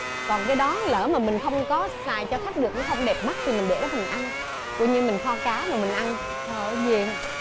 còn cái đó lỡ mà mình không có xài cho khách được không đẹp mắt thì mình để đó mình ăn coi như mình kho cá rồi mình ăn trời ơi nghiền